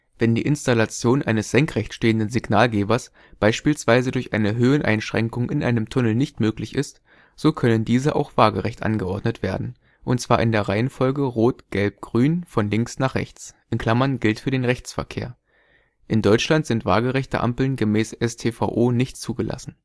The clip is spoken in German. Wenn die Installation eines senkrecht stehenden Signalgebers beispielsweise durch eine Höheneinschränkung in einem Tunnel nicht möglich ist, so können diese auch waagrecht angeordnet werden, und zwar in der Reihenfolge Rot – Gelb – Grün von links nach rechts (gilt für den Rechtsverkehr). In Deutschland sind waagerechte Ampeln gemäß StVO nicht zugelassen